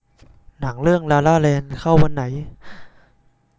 หนังเรื่องลาลาแลนด์เข้าวันไหน